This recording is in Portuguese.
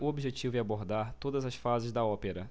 o objetivo é abordar todas as fases da ópera